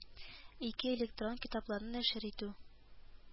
Ике электрон китапларны нәшер итү